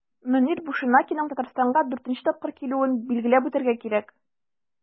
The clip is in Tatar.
Мөнир Бушенакиның Татарстанга 4 нче тапкыр килүен билгеләп үтәргә кирәк.